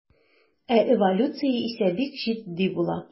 Ә эволюция исә бик җитди була.